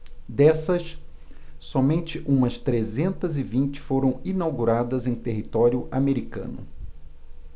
dessas somente umas trezentas e vinte foram inauguradas em território americano